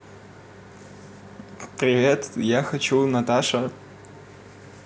привет я хочу наташа